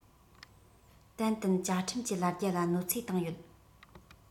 ཏན ཏན བཅའ ཁྲིམས ཀྱི ལ རྒྱ ལ གནོད འཚེ བཏང ཡོད